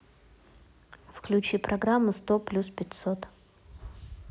включи программу сто плюс пятьсот